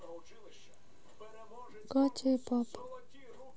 катя и папа